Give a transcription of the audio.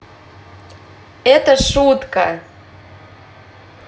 это шутка